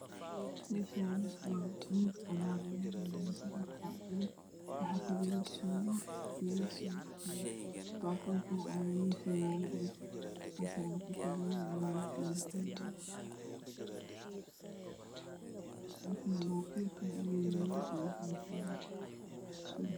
Meeshaan waa miis cadaan waxaa yaalo baaquli waxaa ku jiro suugo baaquli kale ayaa meeshaa yaalo ansallato ku jiraan